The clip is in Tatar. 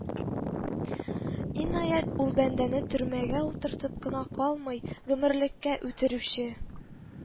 Инаять, ул бәндәне төрмәгә утыртып кына калмый, гомерлеккә үтерүче